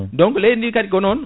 donc leydi ndi kadi ko non